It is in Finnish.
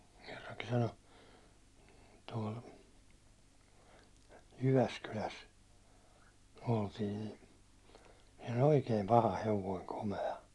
kerrankin sanoi tuolla Jyväskylässä oltiin niin siinä oli oikein paha hevonen komea